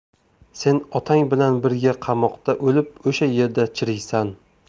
sen otang bilan birga qamoqda o'lib o'sha yerda chiriysan